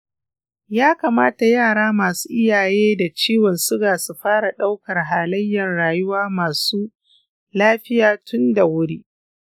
ya kamata yara masu iyaye da ciwon suga su fara ɗaukar halayen rayuwa masu lafiya tun da wuri.